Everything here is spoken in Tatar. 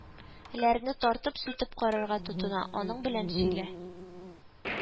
Ләрне тартып, сүтеп карарга тотына, аның белән сөйлә